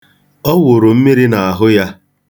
Ọ wụrụ mmiri n'ahụ ya.